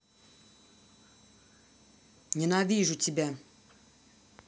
ненавижу тебя